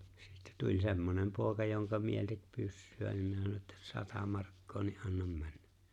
sitten tuli semmoinen poika jonka mieli teki pyssyä niin minä sanoin että sata markkaa niin annan mennä